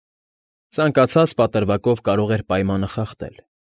Ցանկացած պատրվակով կարող էր պայմանը խախտել։